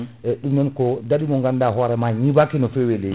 eyyi ɗum noon ko ɗaaɗi mo ganɗa hoorema ñiiɓaki no fewi e leydi